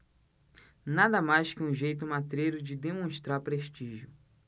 nada mais que um jeito matreiro de demonstrar prestígio